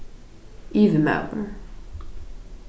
yvirmaður